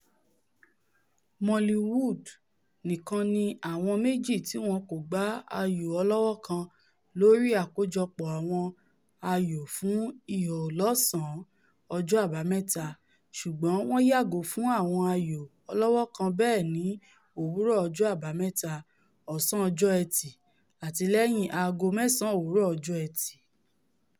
"Moliwood'' nìkan ni àwọn méjì tíwọn kògbá ayò ọlọ́wọ́kan lórí àkójọpọ̀ àwọn ayò fún ihò lọ́ọ̀sán ọjọ́ Àbámẹ́ta, ṣùgbọ́n wọ́n yàgò fún àwọn ayò ọlọ́wọ́kan bẹ́ẹ̀ ní òwúrọ̀ ọjọ́ Àbámẹ́ta, ọ̀sán ọjọ́ Ẹtì àti lẹ́yìn aago mẹ́ẹ̀sán òwúrọ̀ ọjọ́ Ẹtì.